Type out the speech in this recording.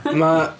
Mae...